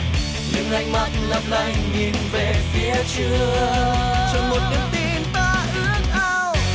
những ánh mắt lấp lánh nhìn về phía trước chờ một niềm tin ta ước ao